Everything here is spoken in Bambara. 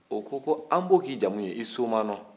u ko an ko k'i jamu ye i somanɔ